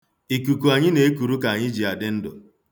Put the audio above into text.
Ikuku anyị na-ekuru ka anyị ji adị ndụ.